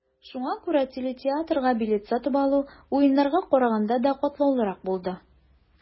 Шуңа күрә телетеатрга билет сатып алу, Уеннарга караганда да катлаулырак булды.